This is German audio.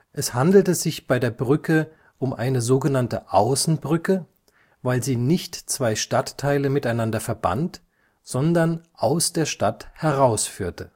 Es handelte sich bei der Brücke um eine sogenannte Außenbrücke, weil sie nicht zwei Stadtteile miteinander verband, sondern aus der Stadt herausführte